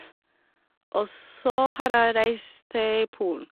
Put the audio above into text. Og så har jeg reist til Polen.